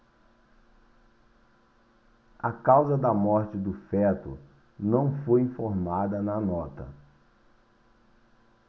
a causa da morte do feto não foi informada na nota